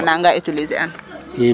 dés fois nanga utiliser an